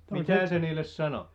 mitä se niille sanoi